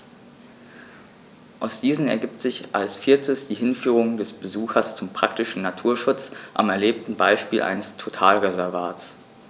Aus diesen ergibt sich als viertes die Hinführung des Besuchers zum praktischen Naturschutz am erlebten Beispiel eines Totalreservats.